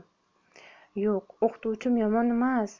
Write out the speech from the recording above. yo'q o'qituvchim yomonmas